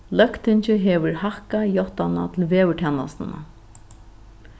løgtingið hevur hækkað játtanina til veðurtænastuna